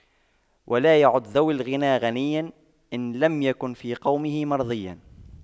ولا يعد ذو الغنى غنيا إن لم يكن في قومه مرضيا